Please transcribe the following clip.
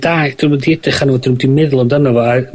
...da 'di o'm wedi edrych ar nw 'di o'm 'di meddwl amdano fo a...